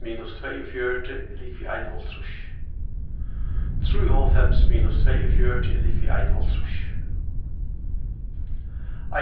minus tveyogfjøruti er ligvið einoghálvtrýss trýoghálvfems minus tveyogfjøruti er ligvið einoghálvtrýss